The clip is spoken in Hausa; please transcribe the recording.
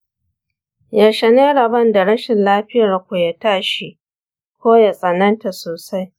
yaushe ne rabon da rashin lafiyar ku ya tashi ko ya tsananta sosai?